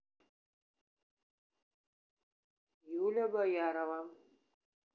юля боярова